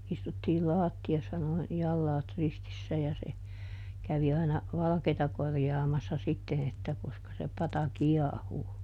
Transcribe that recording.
istuttiin lattiassa noin jalat ristissä ja se kävi aina valkeata korjaamassa sitten että koska se pata kiehuu